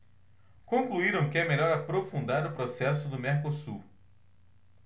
concluíram que é melhor aprofundar o processo do mercosul